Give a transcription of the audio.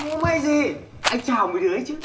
múa may gì anh chào mấy đứa ấy chứ